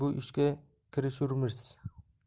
bu ishga kirishurmiz